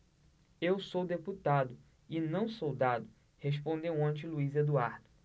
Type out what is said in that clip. eu sou deputado e não soldado respondeu ontem luís eduardo